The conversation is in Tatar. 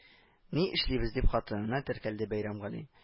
Ни эшлибез? — дип, хатынына текәлде Бәйрәмгали. Чө